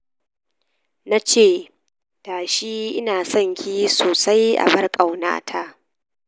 Na ce, "Tashi, ina son ki sosai, abar ƙaunata.